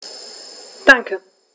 Danke.